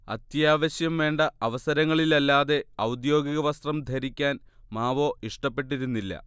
അത്യാവശ്യം വേണ്ട അവസരങ്ങളിലല്ലാതെ ഔദ്യോഗിക വസ്ത്രം ധരിക്കാൻ മാവോ ഇഷ്ടപ്പെട്ടിരുന്നില്ല